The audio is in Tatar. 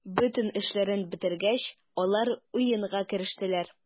Бөтен эшләрен бетергәч, алар уенга керештеләр.